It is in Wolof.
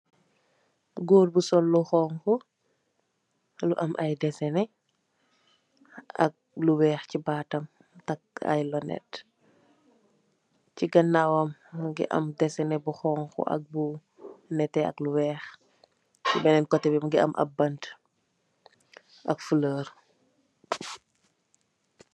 Goor bu sol lu xonxo lu am aye desene ak lu weex se batam take aye lunet che ganawam muge am desene bu xonxo ak bu neteh ak lu weex se benen koteh be muge am ab bante ak feloor.